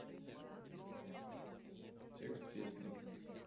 текст песни